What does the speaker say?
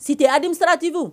Site hamisaratigiw